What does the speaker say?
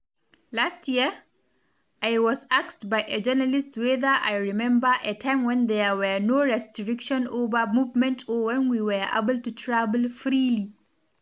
Last year, I was asked by a journalist whether I remember a time when there were no restriction over movement or when we were able to travel freely.